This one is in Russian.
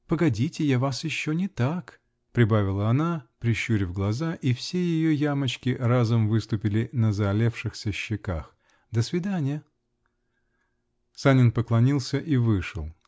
Погодите, я вас еще не так, -- прибавила она, прищурив глаза, и все ее ямочки разом выступили на заалевшихся щеках. -- До свидания! Санин поклонился и вышел.